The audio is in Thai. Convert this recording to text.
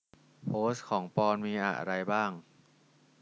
โพสต์ของปอนด์มีอะไรบ้าง